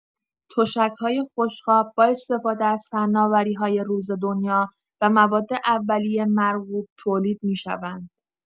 تشک‌های خوشخواب با استفاده از فناوری‌های روز دنیا و مواد اولیه مرغوب تولید می‌شوند.